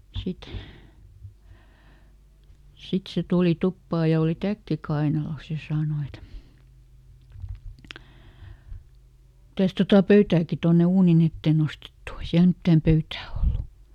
sitten sitten se tuli tupaan ja oli täkki kainalossa ja sanoi että mitäs tuota pöytääkin tuonne uunin eteen nostettu on ei siellä mitään pöytää ollut